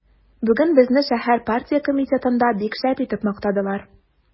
Бүген безне шәһәр партия комитетында бик шәп итеп мактадылар.